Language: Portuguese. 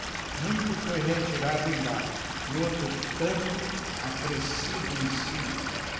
muito foi retirado embaixo e outro tanto acrescido em cima